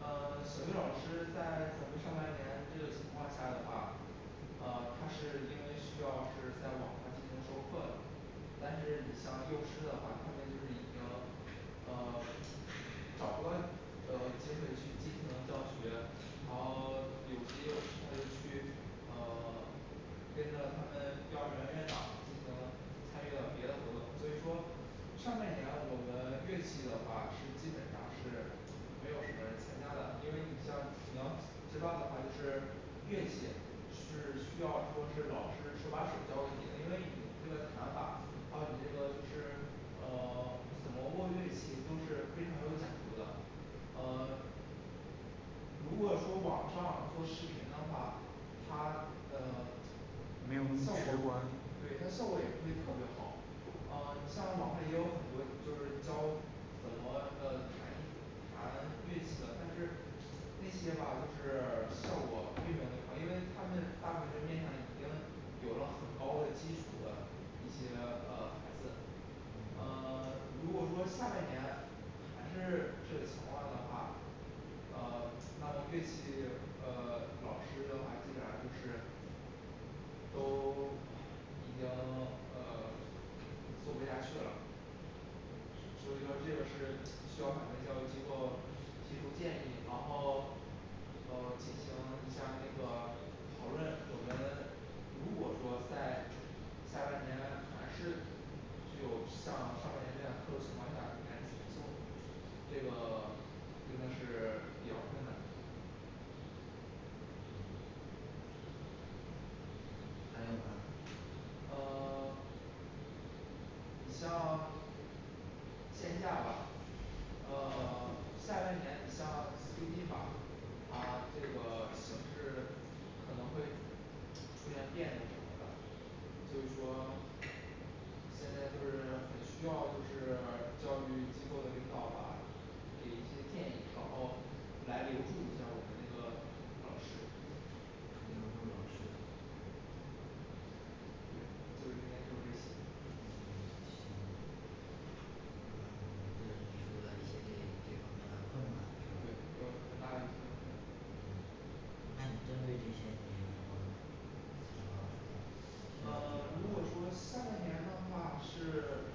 呃小学老师在咱们上半年这个情况下的话，呃他是因为需要是在网上进行授课的，但是你想幼师的话，他们就是已经呃找不到机会去进行教学然后有机会去呃跟着他们幼儿园院长能参与到别的活动，所以说上半年我们乐器的话是基本上是没有什么人参加的，因为你像你要知道的话，就是乐器是需要说是老师手把手教给你的，因为你这个弹法还有这个是呃紫蘑菇的乐器都是非常有讲究的呃如果说网上做视频的话，他的没有那么直观对那效果也不会特别好呃在网上也有很多就是教啊最新的它是那些吧就是效果非常的，因为他们大部分时间已经有了很高的激情的一些呃孩子嗯呃 如果说下半年还是这个情况的话呃那么乐器呃老师的话基本上就是都行呃做不下去了所 所以说这个是需要什么教育机构提出建议，然后呃进行一下那个讨论我们如果说在下半年还是只有像上半年那样特殊情况下应该是怎么做？这个这个是比较困难还有吗呃 你像线下呃 下半年你像最近吧啊这个形式可能会出现变动什么的所以说现在就是需要就是，教育机构的领导吧给一些建议然后来留住一下我们那个教师嗯就是你觉得这些已经很困对难有是很吧大的困难那你说这些你有课吗呃如果说下半年的话是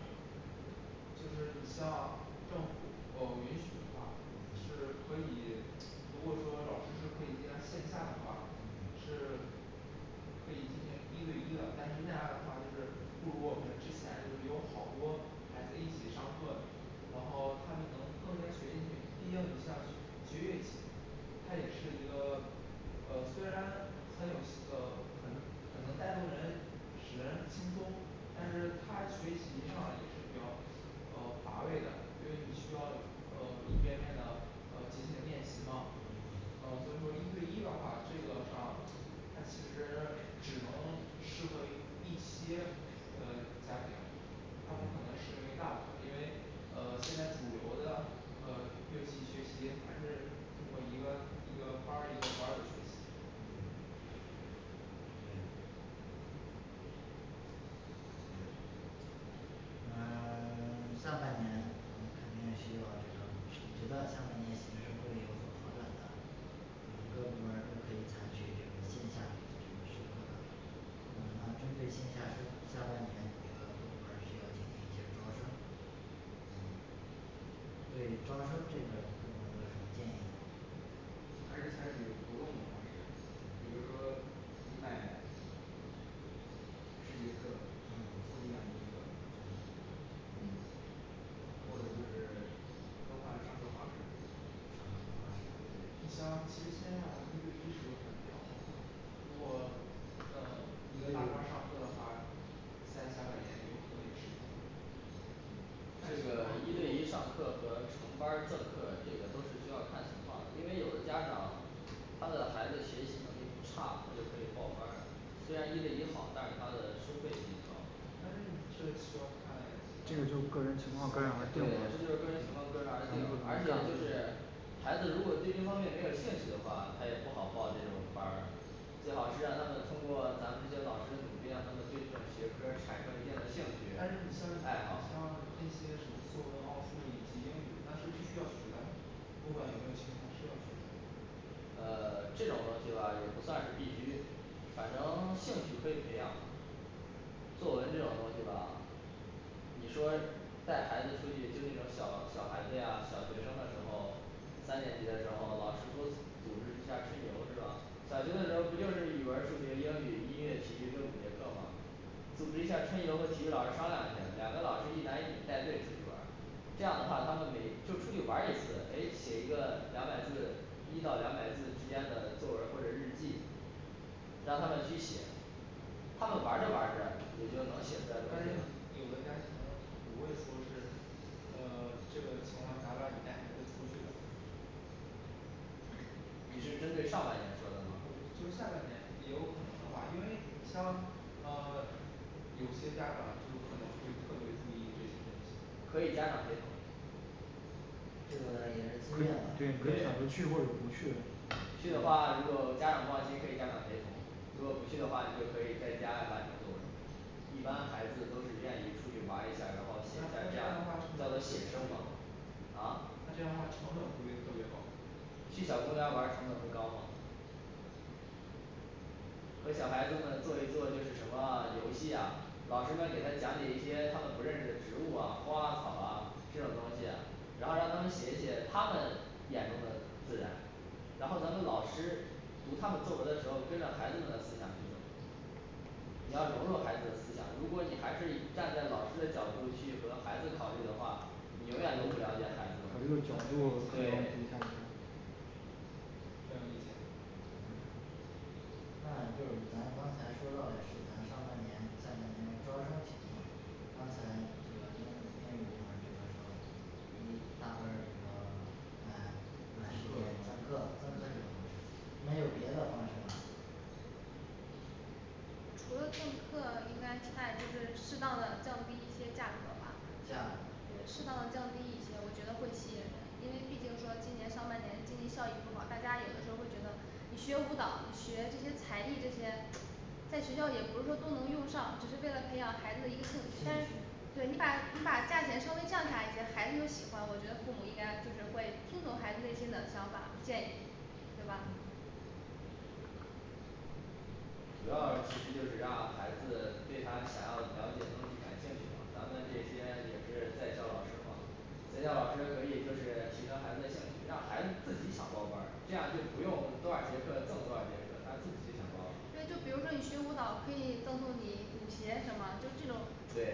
就是你像政府允许的话其实可以如果说老师是可以进行线下的话嗯是可以进行一对一的，但是那样的话就是不如我们之前有好多来自一起上课，然后他们能更加学习，一定要有下学习学习它也是一个呃虽然呃很有呃很很能带动人，使人轻松，但是他的学习上也是比较呃乏味的，因为你需要呃一遍遍的呃进行练习嘛啊所以嗯说一对一的话上，它其实只能适合于一些呃加起来他们可能试用于大部分，因为呃现在主流的呃乐器学习还是通过一个一个班儿班儿的学习嗯 下半年我们肯定需要，这个我觉得下半年形势会有所好转的，嗯各部门儿都可以采取这个线下模式那么针对线下这下半年，你们各部门儿需要进行一些招生嗯对招生这边各部门儿有没有什么建议？还是采取活动方式。比如说你买或者就是如果这俩班儿上课的话，再加点原因这个一对一上课和成班儿赠课，这个都是需要看情况，因为有的家长他的孩子学习能力不差他就可以报班儿虽然一对一好，但是他的收费并不高但是你是需要这它个就个人情况对，这就个人而定吧是个人情况个人而定，而且就是孩子如果对这方面没有兴趣的话，他也不好报这种班儿，最好是让他们通过咱们这些老师的努力啊，让他们对这种学科儿产生一但是你像定的兴趣你像这些爱奥好数以及英语那是必须要学的不管以后呃这种东西吧也不算是必须反正兴趣可以培养的。作文这种东西吧。 你说带孩子出去就那种小小孩子呀小学生的时候三年级的时候老师多组织一下春游是吧？小学的时候不就是语文儿、数学、英语、音乐、体育这五节课吗组织一下春游和体育老师商量一下，两个老师一男一女带队出去玩儿，这样的话他们每就出去玩儿一次，诶写一个两百字一到二百字之间的作文儿或者日记让他们去写，他们玩儿着玩儿着也就能关键写出来东西了有的不会说是呃这个情况下让你带孩子出去了。你是针对上半年说的吗？不就下半年也有可能的话，因为你像呃有些家长就可能会特别注意这些东西，可以家长陪同这个也可以是自对你可以愿的选择去或者对不去去的话，如果家长不放心可以家长陪同，如果不去的话你就可以在家完成作文一般孩子都是愿意出去玩儿一下，那然后写一下儿那这这样的样话成叫本做写生嘛。啊那这样的话成本会不会特别高？去小公园玩儿成本会高吗和小孩子们做一做就是什么？游戏啊，老师们给他讲解一些他们不认识的植物啊花啊草啊这种东西，然后让他们写一写他们眼中的自然。然后咱们老师读他们作文的时候，跟着孩子们的思想去走你要融入孩子的思想，如果你还是站在老师的角度去和孩子考虑的话，你永远都不了解孩子的，要用角度可能对才能那就是咱刚才说到的是咱们上半年下半年招生情况，刚才这个英英语部门儿这边儿说了以咱们这个买买一年赠课赠课这种，没有别的方式吗除了送课，应该其他也就是适当的降低一些价格吧,价格对适当的降低一些，我觉得会吸引人，因为毕竟说今年上半年经济效益不好,大家有的时候会觉得你学舞蹈，你学这些才艺这些在学校也不是说都能用上，只是为了培养孩子一个兴趣，但是兴趣对你把你把价钱稍微降下一些，孩子就喜欢，我觉得父母应该就是会听从孩子内心的想法建议，对吧？主要的其实就是让孩子对他想要了解的东西感兴趣，咱们这些也是在校老师吗学校老师可以就是提升孩子的兴趣，让孩子自己想报班儿，这样就不用多少节课，送多少节课他自己就想报对了比如说你学舞蹈可以赠送你舞鞋什么就这种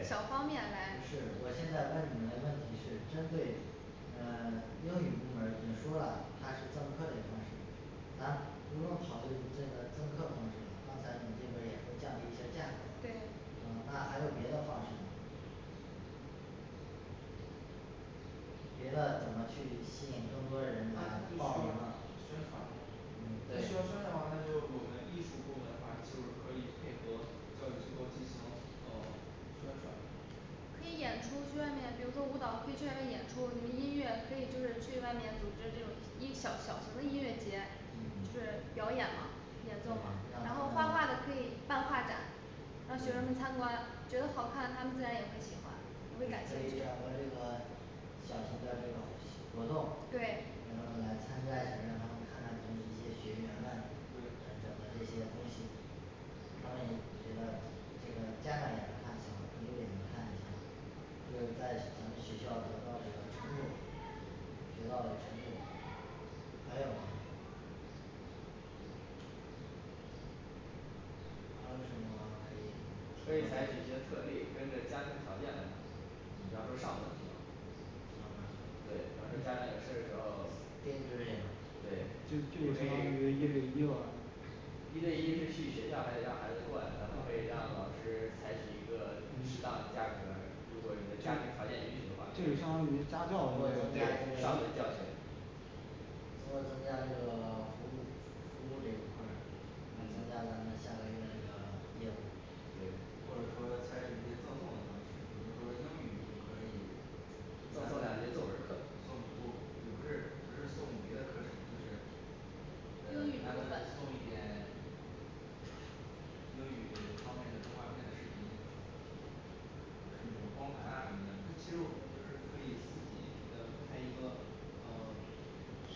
小不方面来是我现在问你们的问题是针对嗯英语部门已经说了，它是赠课的方式，咱不用考虑那个赠课的方式，刚才你这边儿也说降低一些价格，对嗯那还有别的方式吗别的怎么去吸引更多的人来报名了？宣传。如果嗯做宣传的对话我们可以就可以配合教育机构进行呃宣传可以演出去外面比如说舞蹈可以去外面演出，你们音乐可以就是去外面组织这种一小小型的音乐节嗯对表演嘛对演奏嘛然后然让后画他画们的可以办画展让学生们参观，觉得好看，他们自然也会喜对可以整欢也会感兴趣的个这对个小型的这个活动对让他们来参加一下，让他们看看咱们这些学员们嗯整的对这些东西我觉得这个家长也来看，小朋友也来看一下，这在咱们学校得到的这个成果，学到嘞成果。还有所以采取一些特例跟着家庭条件，比方说上门服务对，比方说家长有事儿的时候，这对就种可可以以一对。一了一对一是去学校还得让孩子过来，咱们可以让老师采取一个适当价格儿，如果有的家庭条件允许的话，这就对相上当门于家教教学除了增加这个服务服服务这一块儿要增加嗯咱们下个月嘞个业务或者说他赠送的方式对比如说英语就可以赠送两节作文儿课送不也不是不是送别的课程，就是英语读本英语方面的动画片可以光盘呀什么的其实我就是开一个呃然后就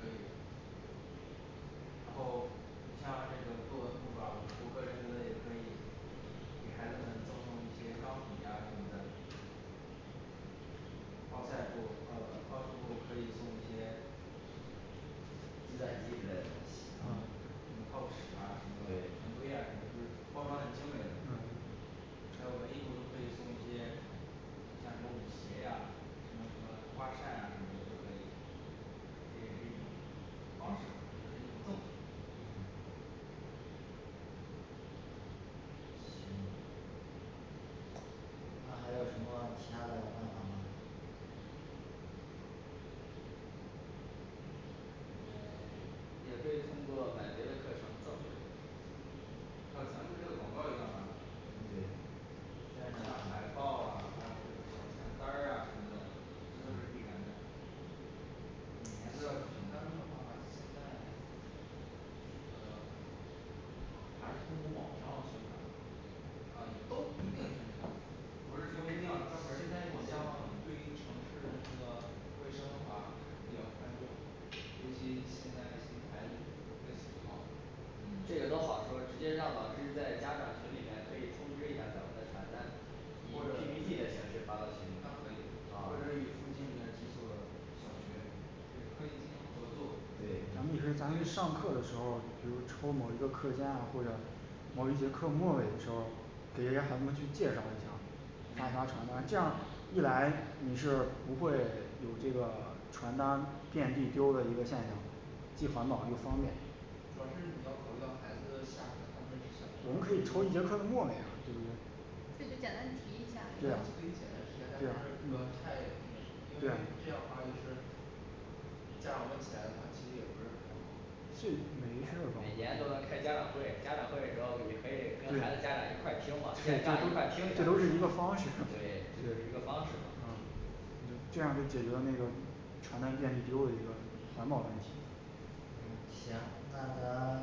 可以然后像那个作文辅导我就会觉得也可以给孩子们赠送一些钢笔呀什么的奥赛部呃奥数部可以送一些，计算机之类的东西呃报纸啊一个对月。包装很精美那还有什么其他的方法吗嗯也可以通过买别的课程赠别的课程还有咱们这个广告儿也要打。对你像海报啊，还有这个小传单儿呀什么的。这都是必然的这个嗯都好说，直接让老师在家长群里面可以通知一下咱们的传单，以P P T的形式发到群里面那可以或者与附近的几所小学跟一些合作对咱们也是咱们上课的时候，比如抽某一个课间啊或者某一节课末尾的时候儿，给这些孩子们去介绍一下，发传单，这样一来你是不会有这个传单遍地丢了一个现象既环保又方便主要是你要考虑到孩子的下课他们的学校我们可以抽一节课的末尾啊，对不对对就简单提一可以简单提一下对呀下但对是呀还是不太因对呀为这样的话就是这样弄起来其实也不是这每没事儿吧年都能开家长会，家长会的时候也可以跟孩子家长一对块儿听这都嘛，现在都在听一下儿对，这这就都是是一一个个方方式式 嘛这样儿就解决那个了查看电力机构的一个环保问题嗯行那咱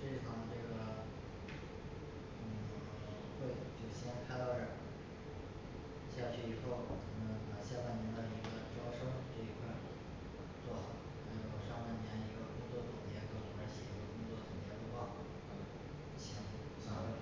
非常这个嗯 会。就先开到这儿下去以后，咱们把下半年的一个招生这一块儿做好还有上半年一个工作总结各部门儿写一个工作总结汇报。行散会。